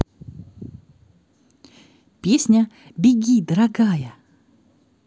песня беги дорогая